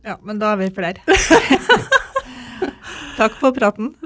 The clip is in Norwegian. ja men da er vi flere takk for praten.